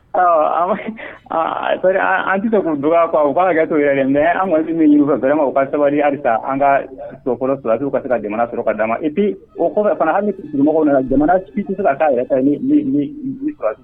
An tɛ kun don u b'a ka kɛ to yɛrɛ mɛ an kɔni min fɛ fɛrɛma o ka sabali halisa an ka su sulati ka se ka jamana sɔrɔ ka' di ma i o fana anmɔgɔ na jamana ci tɛ ka